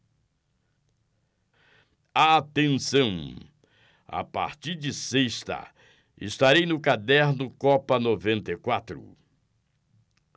atenção a partir de sexta estarei no caderno copa noventa e quatro